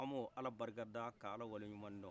anbo ala barkada ka ala waleɲumandɔn